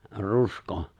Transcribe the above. rusko